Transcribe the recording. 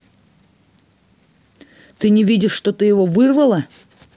ты не видишь что ты его вырвала